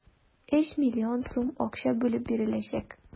3 млн сум акча бүлеп биреләчәк.